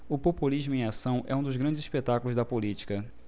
o populismo em ação é um dos grandes espetáculos da política